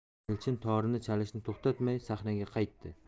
elchin torni chalishni to'xtatmay sahnaga qaytdi